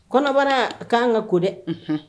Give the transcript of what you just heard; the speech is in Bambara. Kɔnɔbara ka kanan ka ko dɛ